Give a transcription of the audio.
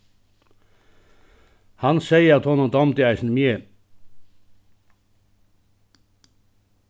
hann segði at honum dámdi eisini meg